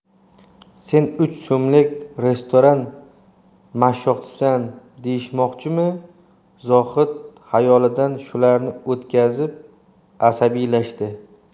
sen uch so'mlik restoran mashshoqisan deyishmoqchimi zohid xayolidan shularni o'tkazib asabiylashdi